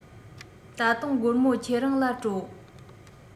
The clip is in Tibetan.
ད དུང སྒོར མོ ཁྱེད རང ལ སྤྲོད